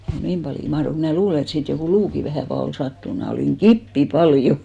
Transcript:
niin paljon mahtoiko minä luulen että siitä joku luukin vähän - oli sattunut minä olin kipeä paljon